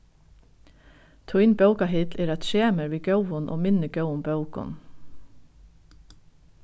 tín bókahill er á tremur við góðum og minni góðum bókum